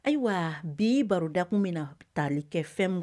Ayiwa bi barodakulu min na taali kɛ fɛn